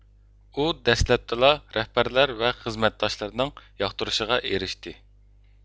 ئۇ دەسلەپتىلا رەھبەرلەر ۋە خىزمەتداشلىرىنىڭ ياقتۇرۇشىغا ئېرىشتى